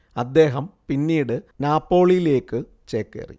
അദ്ദേഹം പിന്നീട് നാപ്പോളിയിലേക്ക് ചേക്കേറി